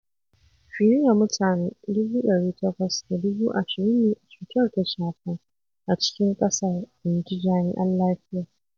Fiye da mutane 820,000 ne cutar ta shafa a cikin ƙasar, inji jami'an lafiya.